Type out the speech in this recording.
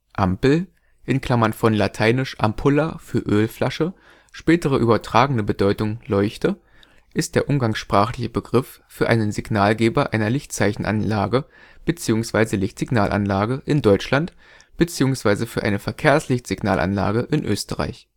Ampel (von lateinisch ampulla „ Ölflasche “, spätere übertragene Bedeutung „ Leuchte “) ist der umgangssprachliche Begriff für einen Signalgeber einer Lichtzeichenanlage (LZA) bzw. Lichtsignalanlage (LSA) in Deutschland bzw. für eine Verkehrslichtsignalanlage (VLSA) in Österreich